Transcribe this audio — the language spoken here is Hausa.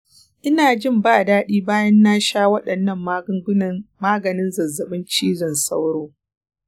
ina jin ba daɗi bayan na sha wannan maganin zazzabin cizon sauro.